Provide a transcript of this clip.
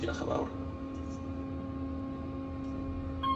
Diolch yn fawr.